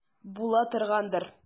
Була торгандыр.